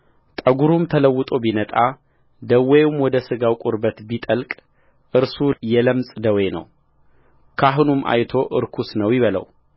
ጠጕሩም ተለውጦ ቢነጣ ደዌውም ወደ ሥጋው ቁርበት ቢጠልቅ እርሱ የለምጽ ደዌ ነው ካህኑም አይቶ ርኩስ ነው ይበለው